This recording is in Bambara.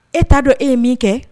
E'a dɔn e ye min kɛ